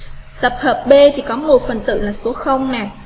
tập hợp b thì có hồ phần tử là số là